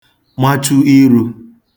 machu irū